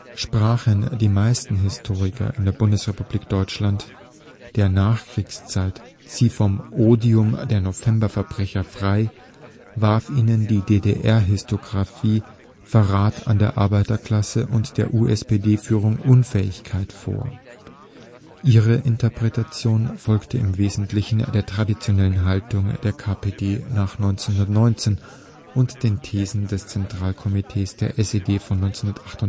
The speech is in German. Sprachen die meisten Historiker in der Bundesrepublik Deutschland der Nachkriegszeit sie vom Odium der Novemberverbrecher frei, warf ihnen die DDR-Historiografie „ Verrat an der Arbeiterklasse “und der USPD-Führung Unfähigkeit vor. Ihre Interpretation folgte im Wesentlichen der traditionellen Haltung der KPD nach 1919 und den Thesen des Zentralkomitees der SED von 1958